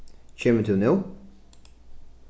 kemur tú nú